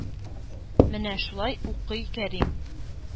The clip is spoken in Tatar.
Менә шулай укый Кәрим,